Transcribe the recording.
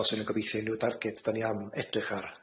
So 'sa ni'n gobeithio unryw target 'dan ni am edrych ar